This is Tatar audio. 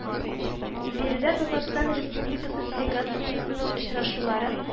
Биредә Татарстан Республикасы делегациясенең очрашуларын